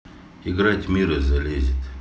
играть мира залезет